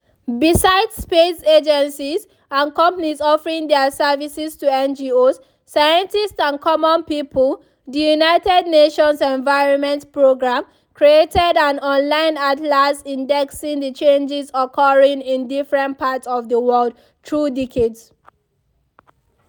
Besides space agencies and companies offering their services to NGOs, scientists and common people, the United Nations Environment Programme created an online atlas indexing the changes occurring in different parts of the world through decades.